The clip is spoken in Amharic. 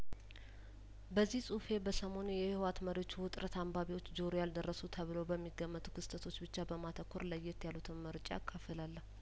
በዚህ ጹሁፌ በሰሞኑ የህወሀት መሪዎች ውጥረት አንባቢዎች ጆሮ ያልደረሱ ተብለው በሚገመቱ ክስተቶች ብቻ በማተኮር ለየት ያሉትን መርጬ አካፍላለሁ